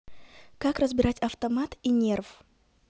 как разбирать автомат и нерв